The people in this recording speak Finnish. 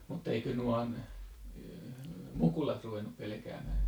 mutta eikö noin mukulat ruvennut pelkäämään